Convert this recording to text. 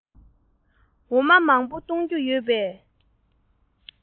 འོ མ མང པོ བཏུང རྒྱུ ཡོད པའི